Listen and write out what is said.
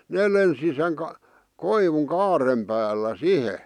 ne lensi sen - koivun kaaren päällä siihen